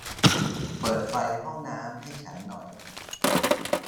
เปิดไฟห้องน้ำให้ฉันหน่อย